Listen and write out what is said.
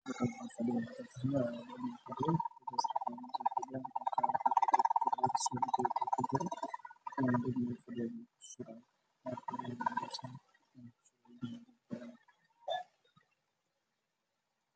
Waxaa iimuuqdo nin wato suud iyo ookiyaalo